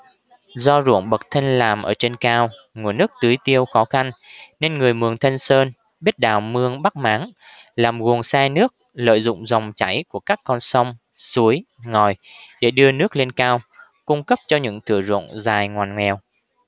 do ruộng bậc thanh làm ở trên cao nguồn nước tưới tiêu khó khăn nên người mường thanh sơn biết đào mương bắc máng làm guồng xe nước lợi dụng dòng chảy của các con sông suối ngòi để đưa nước lên cao cung cấp cho những thửa ruộng dài ngoằn nghèo